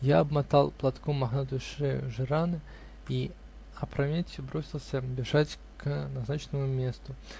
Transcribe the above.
Я обмотал платком мохнатую шею Жирана и опрометью бросился бежать к назначенному месту.